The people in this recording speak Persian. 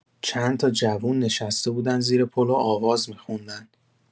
چند تا جوون نشسته بودن زیر پل و آواز می‌خوندن.